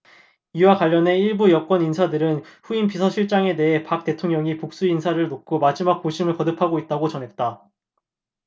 이와 관련해 일부 여권인사들은 후임 비서실장에 대해 박 대통령이 복수의 인사를 놓고 마지막 고심을 거듭하고 있다고 전했다